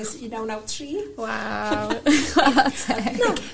...ers un naw naw tri. Waw. Chwara teg.